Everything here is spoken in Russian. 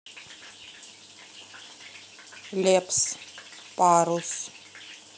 лепс парус